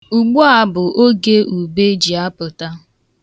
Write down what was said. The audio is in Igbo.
Ugbua bụ oge ube ji apụta.